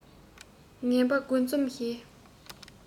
ངན པ དགུ འཛོམས ཞེས